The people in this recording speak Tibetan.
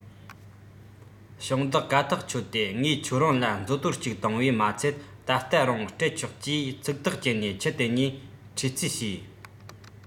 ཞིང བདག དགའ ཐག ཆོད དེ ངས ཁྱེད རང ལ མཛོ དོར གཅིག བཏང བས མ ཚད ད ལྟ རང སྤྲད ཆོག ཅེས ཚིག ཐག བཅད ནས ཁྱི དེ གཉིས ཁྲིས ཙིས བྱས